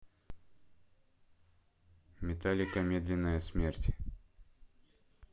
металлика медленная смерть